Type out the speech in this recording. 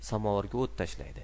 samovarga o't tashlaydi